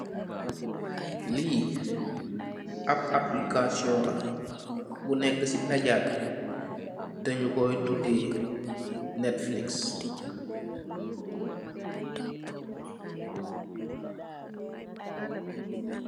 Li ap applikation la bu neka si naga bi teh nyu ko tudeh netflix.